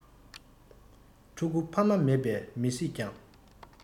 ཕྲུ གུ ཕ མ མེད པ མི སྲིད ཀྱང